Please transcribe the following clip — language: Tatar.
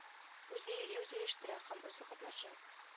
Үзе йөри үзе оештыра һәм үзе катнаша